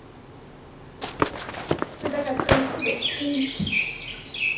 ты такая красивая клип